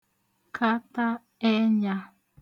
kata ẹnyā